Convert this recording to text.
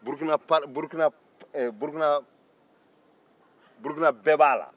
burukina pari burukina ɛɛ burukina bɛɛ b'a la